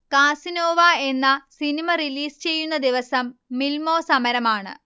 Casanova എന്ന cinema release ചെയ്യുന്ന ദിവസം മില്മാേ സമരമാണ്